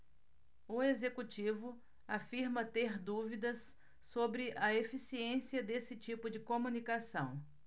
o executivo afirma ter dúvidas sobre a eficiência desse tipo de comunicação